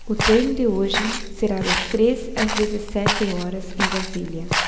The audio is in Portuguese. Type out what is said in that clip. o treino de hoje será das treze às dezessete horas em brasília